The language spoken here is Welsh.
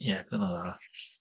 Ie, bydd hwnna'n dda.